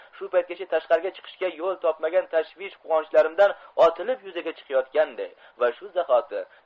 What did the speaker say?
shu paytgacha tashqariga chiqishga yo'l topmagan tashvish quvonchlarimdan otilib yuzaga chiqayotganday va shu zahoti